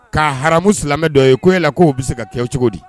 K'a haramu silamɛ dɔ ye ko yala k'o bɛ se ka kɛ cogo di